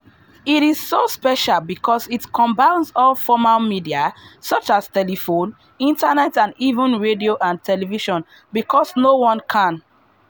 It is so special because it combines all former media, such as telephone, Internet, and even radio and television, and because one can: 1.